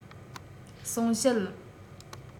གསུངས བཤད